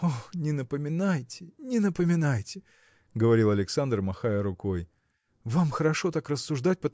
– О, не напоминайте, не напоминайте! – говорил Александр махая рукой – вам хорошо так рассуждать